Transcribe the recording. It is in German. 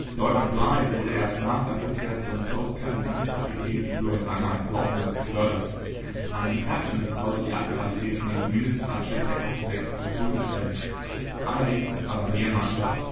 Leutnant Bligh wurde erst nach seiner Rückkehr zum Post Captain (" Kapitän ", im höheren Rang eines Hauptmanns) befördert. Einem Captain sollte die Admiralität nämlich mindestens ein Schiff der Klasse 6 zur Verfügung stellen, allerwenigstens aber mehr Mannschaft